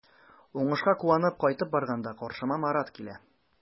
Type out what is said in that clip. Уңышка куанып кайтып барганда каршыма Марат килә.